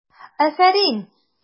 Афәрин!